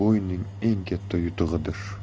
eng katta yutug'idir